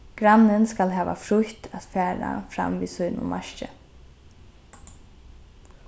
grannin skal hava frítt at fara fram við sínum marki